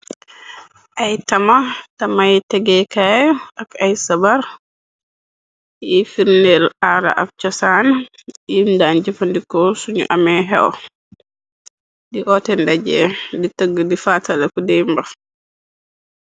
Ay tama tamay tegekayu ak ay sabar yi firdeel ada ak cosaan yin daan jëfandikoo sun amee xew di oteh ndaje di tëgg di fatale ku dimba.